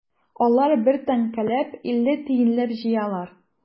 Алар бер тәңкәләп, илле тиенләп җыялар.